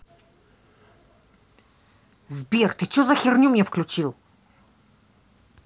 сбер что ты за херню мне включил